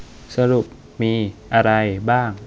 สรุปมีอะไรบ้าง